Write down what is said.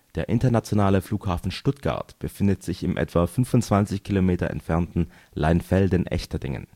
Der internationale Flughafen Stuttgart befindet sich im etwa 25 km entfernten Leinfelden-Echterdingen